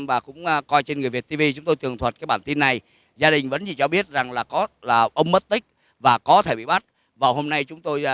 và cũng coi trên người việt ti vi chúng tôi tường thuật cái bản tin này gia đình vẫn chỉ cho biết rằng là có là ông mất tích và có thể bị bắt vào hôm nay chúng tôi